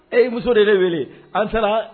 Ɛ muso de de wele an sera